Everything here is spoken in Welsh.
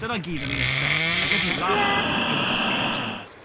Dyna i gyd o'n ni isie. Like literally last night... ie ...they were just edging us.